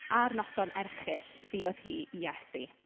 A'r noson erchyll, fuodd hi i Iesu.